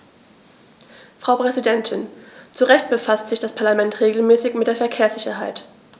Frau Präsidentin, zu Recht befasst sich das Parlament regelmäßig mit der Verkehrssicherheit.